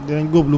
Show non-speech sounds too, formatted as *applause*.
*hesitation* *hesitation*